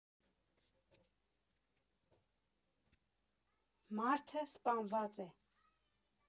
Մարդը սպանված է։